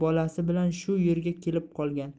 bolasi bilan shu yerga kelib qolgan